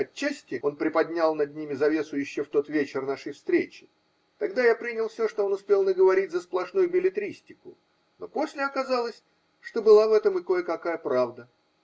отчасти он приподнял над ними завесу еще в тот вечер нашей встречи: тогда я принял все, что он успел наговорить, за сплошную беллетристику, но после оказалось, что была в этом и кое-какая правда.